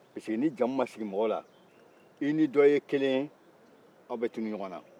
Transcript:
bawo ni jamu ma sigi mɔgɔw la i ni dɔ ye kelen ye a' bɛ tunu ɲɔgɔn na